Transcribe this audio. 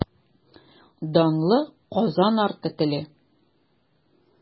Данлы Казан арты теле.